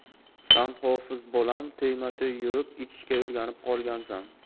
san hofiz bolam to'yma to'y yurib ichishga o'rganib qolgansan